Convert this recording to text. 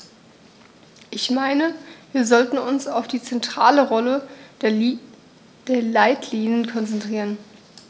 Ich meine, wir sollten uns auf die zentrale Rolle der Leitlinien konzentrieren.